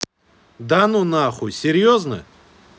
да ну нахуй серьезно